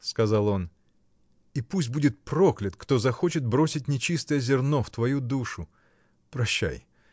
— сказал он, — и пусть будет проклят, кто захочет бросить нечистое зерно в твою душу! Прощай!